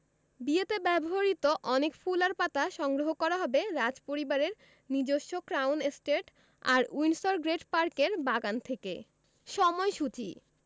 বিয়েতে ব্যবহৃত অনেক ফুল আর পাতা সংগ্রহ করা হবে রাজপরিবারের নিজস্ব ক্রাউন এস্টেট আর উইন্ডসর গ্রেট পার্কের বাগান থেকে সময়সূচি